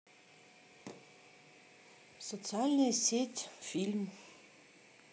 социальная сеть фильм